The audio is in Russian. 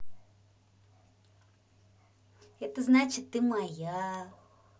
это значит ты моя